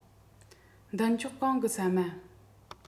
མདུན ལྕོག གང གི ཟ མ